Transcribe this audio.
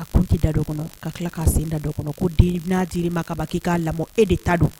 A kun tɛ da dɔ kɔnɔ ka tila k'a sen da dɔ kɔnɔ ko den n'a dir'i ma ka ban k'i k'a lamɔ e de ta don